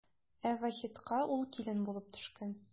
Ә Вахитка ул килен булып төшкән.